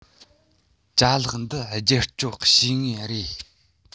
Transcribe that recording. ཅ ལག འདི རྒྱབ སྐྱོར བྱེད ངེས རེད